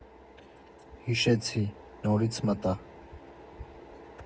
Հիշեցի, նորից մտա։